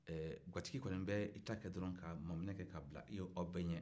guwatigi kɔnin bɛ i ta kɛ dɔrɔn ka maminɛ kɛ k'a bila aw bɛɛ ɲɛ